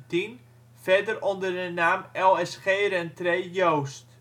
01-01-2010 verder onder de naam LSG-Rentray Joozt